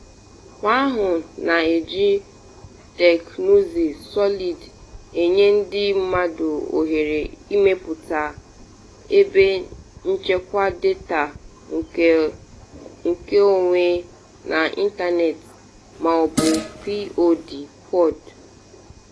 Ngwa ahụ na-eji teknụzụ Solid enye ndị mmadụ oghere imepụta “ebe nchekwa data nkeonwe n’ịntanetị” ma ọ bụ POD.